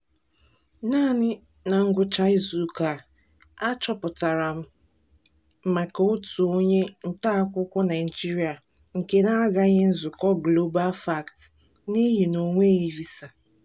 Naanị na ngwụcha izuụka a, a chọpụtara m maka otu onye ntaakụkọ Naịjirịa nke n'agaghị nzụkọ GlobalFact n'ihi na o nweghị visa.